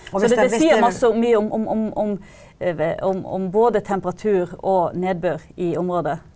så det det sier masse mye om om om om om om både temperatur og nedbør i området.